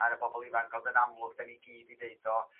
ar y bobl ifanc ond yn amlwg 'da ni gyd 'di deud do?